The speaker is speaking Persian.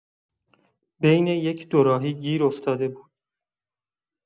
بین یک دوراهی گیر افتاده بود.